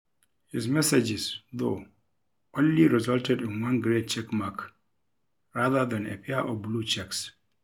His messages, though, only resulted in one gray check mark, rather than a pair of blue checks.